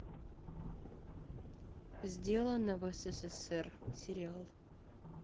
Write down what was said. сделано в ссср сериал